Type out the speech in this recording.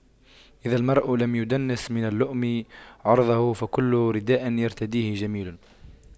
إذا المرء لم يدنس من اللؤم عرضه فكل رداء يرتديه جميل